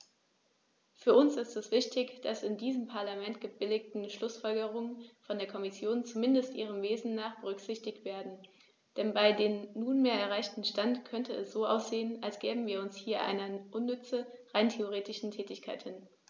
Für uns ist es wichtig, dass die in diesem Parlament gebilligten Schlußfolgerungen von der Kommission, zumindest ihrem Wesen nach, berücksichtigt werden, denn bei dem nunmehr erreichten Stand könnte es so aussehen, als gäben wir uns hier einer unnütze, rein rhetorischen Tätigkeit hin.